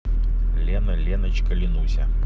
лена леночка ленуся